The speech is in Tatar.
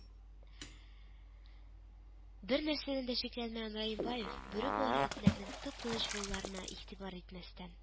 Бернәрсәдән дә шикләнмәгән Раимбаев бүре буар этләренең тып-тыныч булуларына игътибар итмәстән